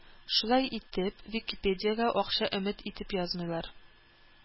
Шулай итеп Википедиягә акча өмет итеп язмыйлар